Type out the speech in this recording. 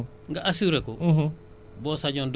mais bu jafe-jafe amee rekk ci ngeen may woo